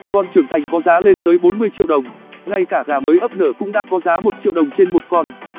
con trưởng thành có giá lên tới triệu đồng ngay cả gà mới ấp nở cũng đã có giá triệu đồng con